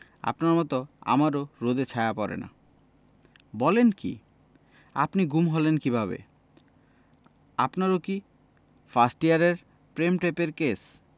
আপনার মতো আমারও রোদে ছায়া পড়ে না বলেন কী আপনি গুম হলেন কীভাবে আপনারও কি ফার্স্ট ইয়ারের প্রেমটাইপের কেস